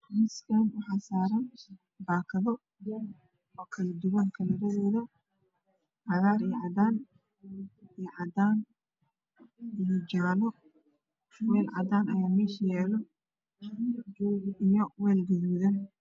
Miiskan waxaa saaran baakado kala duwan kalaradoda cagaar iyo cadaan jaalo weel cadaan ah ayaa meesha yaalo iyo weel gaduudan